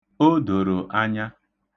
O doro anya.